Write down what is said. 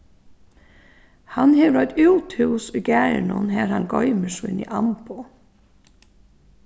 hann hevur eitt úthús í garðinum har hann goymir síni amboð